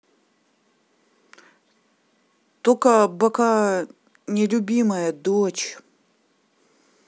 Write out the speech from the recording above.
тока бока нелюбимая дочь